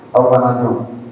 Aw ka na